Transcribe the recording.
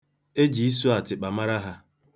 E ji isu atịkpa mara ha.